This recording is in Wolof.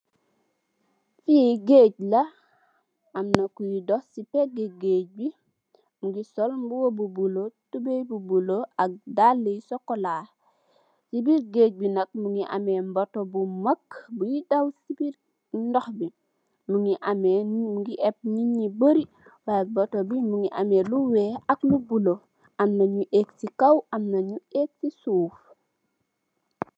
Fi geeg la amna koi dox si pege geeg bi sol mbuba bu bulu tubai bu bulu ak daala yu cxocola si birr geeeg bi nak mongi ame batoo bu maag mungi daw si digi dox bi mongi ame mongi epp nit yu bari bato bi mongi ame lu weex ak lu bulu amna nyu agg si kaw amna nyu agg si suuf.